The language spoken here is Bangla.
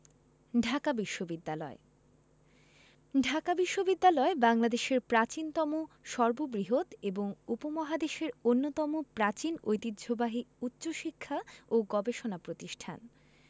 ঢাকা বিশ্ববিদ্যালয় ঢাকা বিশ্ববিদ্যালয় বাংলাদেশের প্রাচীনতম সর্ববৃহৎ এবং উপমহাদেশের অন্যতম প্রাচীন ঐতিহ্যবাহী উচ্চশিক্ষা ও গবেষণা প্রতিষ্ঠান